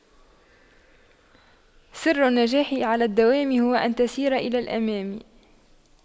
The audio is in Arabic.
سر النجاح على الدوام هو أن تسير إلى الأمام